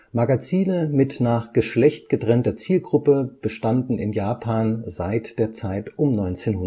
Magazine mit nach Geschlecht getrennter Zielgruppe bestanden in Japan seit der Zeit um 1900